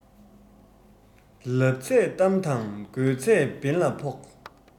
ལབ ཚད གཏམ དང དགོས ཚད འབེན ལ ཕོག